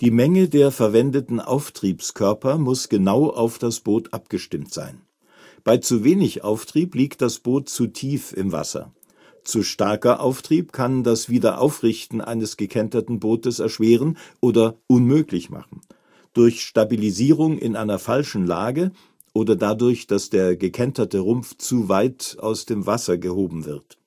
Menge der verwendeten Auftriebskörper muss genau auf das Boot abgestimmt sein. Bei zu wenig Auftrieb liegt das Boot zu tief im Wasser. Zu starker Auftrieb kann das Wiederaufrichten eines gekenterten Bootes erschweren oder unmöglich machen (durch Stabilisierung in einer falschen Lage oder dadurch, dass der gekenterte Rumpf zu weit aus dem Wasser gehoben wird